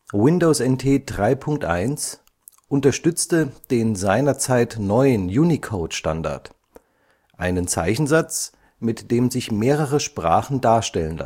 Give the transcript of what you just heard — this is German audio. Windows NT 3.1 unterstützt den seinerzeit neuen Unicode-Standard, einen Zeichensatz, mit dem sich mehrere Sprachen darstellen